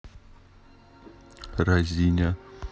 разиня